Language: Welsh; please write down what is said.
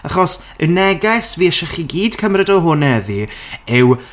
Achos, y neges, fi eisiau chi gyd cymryd o hwn heddi yw...